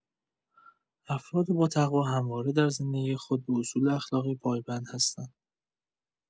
افراد باتقوا همواره در زندگی خود به اصول اخلاقی پایبند هستند.